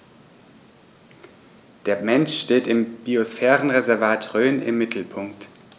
Der Mensch steht im Biosphärenreservat Rhön im Mittelpunkt.